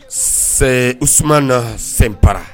C'est Ousmane Simpara